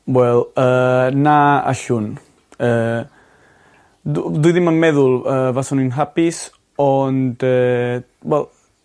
Wel yy na allwn yy dw- dwi ddim yn meddwl yy fyswn ond yy wel